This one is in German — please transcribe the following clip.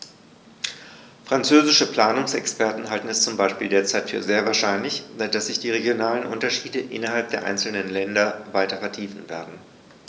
Französische Planungsexperten halten es zum Beispiel derzeit für sehr wahrscheinlich, dass sich die regionalen Unterschiede innerhalb der einzelnen Länder weiter vertiefen werden.